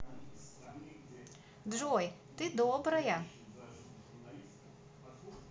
джой ты добрая